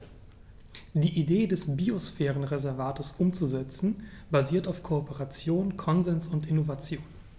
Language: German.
Die Idee des Biosphärenreservates umzusetzen, basiert auf Kooperation, Konsens und Innovation.